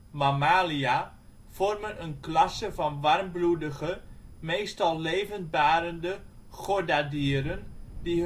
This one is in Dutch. Mammalia) vormen een klasse van warmbloedige, meestal levendbarende chordadieren die